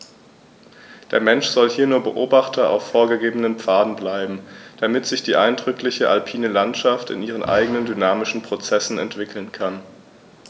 Der Mensch soll hier nur Beobachter auf vorgegebenen Pfaden bleiben, damit sich die eindrückliche alpine Landschaft in ihren eigenen dynamischen Prozessen entwickeln kann.